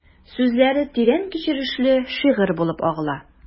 Сүзләре тирән кичерешле шигырь булып агыла...